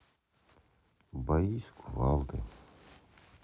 бои с кувалдой